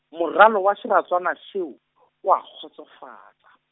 moralo wa seratswana seo , o oa kgotsofatsa.